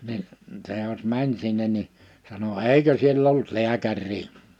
niin se jos meni sinne niin sanoi eikö siellä ollut lääkäriä